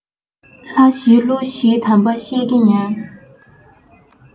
ལྷ ཞི གླུ ཞིའི གདམས པ བཤད ཀྱི ཉོན